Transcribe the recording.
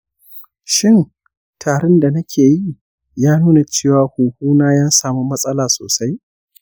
shin tarin da nake yi na nuna cewa huhuna ya samu matsala sosai?